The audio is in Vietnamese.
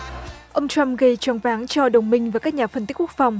ông trăm gây choáng váng cho đồng minh với các nhà phân tích quốc phòng